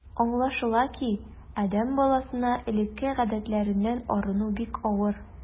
Аңлашыла ки, адәм баласына элекке гадәтләреннән арыну бик авыр.